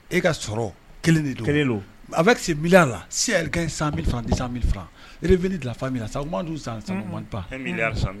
E ka sɔrɔ kelen de kelen don a bɛ se bila a la se yɛrɛ ka san ni san mi e dilan minɛ na sa dun san san